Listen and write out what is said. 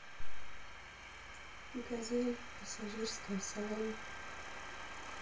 газель пассажирская салон